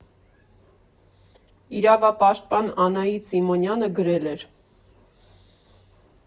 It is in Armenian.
Իրավապաշտպան Անահիտ Սիմոնյանը գրել էր.